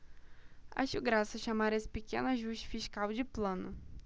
acho graça chamar esse pequeno ajuste fiscal de plano